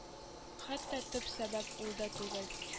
Хәтта төп сәбәп ул да түгел